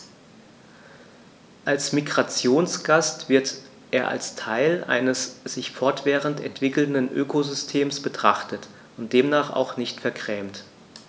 Als Migrationsgast wird er als Teil eines sich fortwährend entwickelnden Ökosystems betrachtet und demnach auch nicht vergrämt.